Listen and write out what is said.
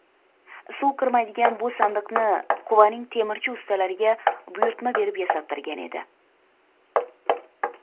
suv kirmaydigan bu sandiqni quvaning temirchi ustalariga buyurtma berib yasattirgan edi